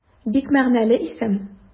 Бик мәгънәле исем.